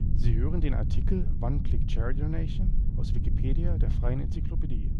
Sie hören den Artikel One Click Charity Donation, aus Wikipedia, der freien Enzyklopädie